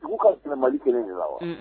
Dugu ka sɛnɛ mali kelen ye la wa